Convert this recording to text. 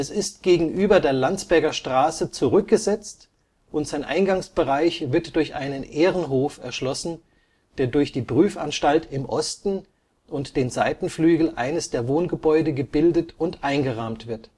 ist gegenüber der Landsberger Straße zurückgesetzt und sein Eingangsbereich wird durch einen Ehrenhof erschlossen, der durch die Prüfanstalt im Osten und den Seitenflügel eines der Wohngebäude gebildet und eingerahmt wird